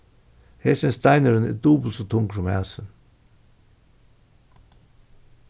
hesin steinurin er dupult so tungur sum hasin